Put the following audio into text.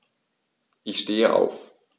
Ich stehe auf.